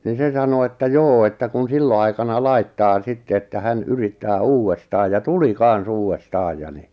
niin se sanoi että joo että kun silloin aikana laittaa sitten että hän yrittää uudestaan ja tuli kanssa uudestaan ja niin